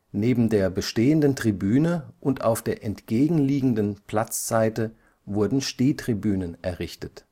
Neben der bestehenden Tribüne und auf der entgegenliegenden Platzsseite wurden Stehtribünen errichtet